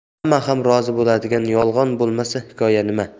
hamma ham rozi bo'ladigan yolg'on bo'lmasa hikoya nima